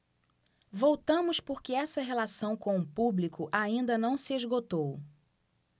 voltamos porque essa relação com o público ainda não se esgotou